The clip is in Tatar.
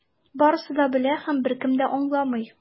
Барысы да белә - һәм беркем дә аңламый.